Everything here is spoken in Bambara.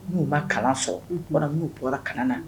Munnu ma kalan sɔrɔ unhun wara mun bɔra kalan na